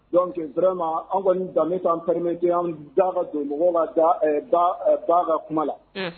Don sira ma an kɔni danbemi taa pmɛjɛ an da ka don mɔgɔw la ba ka kuma la